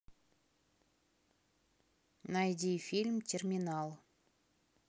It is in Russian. найди фильм терминал